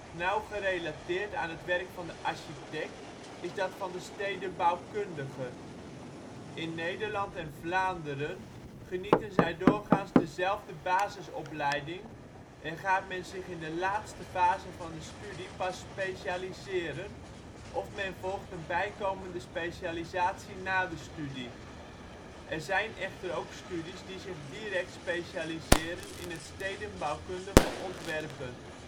Nauw gerelateerd aan het werk van de architect is dat van de stedenbouwkundige. In Nederland en Vlaanderen genieten zij doorgaans dezelfde basisopleiding en gaat men zich in de laatste fase van de studie pas specialiseren; of men volgt een bijkomende specialisatie na de studie. Er zijn echter ook studies die zich direct specialiseren in het stedenbouwkundig ontwerpen